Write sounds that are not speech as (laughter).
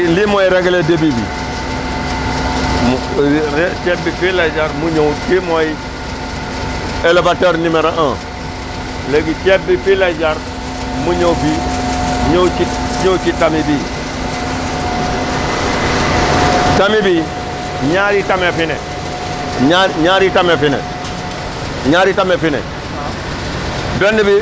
léegi lii mooy réglé débit bi (noise) mu (hesitation) ceeb bi fii lay jaar mu ñëw fii mooy (noise) élevateur numéro un (noise) léegi ceeb bi fii lay jaar mu ñëw fii (noise) ñëw ci tame bii (noise) tame bii ñaari tamee fi ne ñaar ñaari tamee fi ne ñaari tamee fi ne (noise)